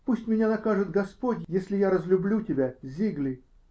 -- Пусть меня накажет Господь, если я разлюблю тебя, Зигли!